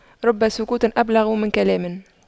رب سكوت أبلغ من كلام